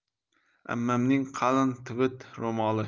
ammamning qalin tivit ro'moli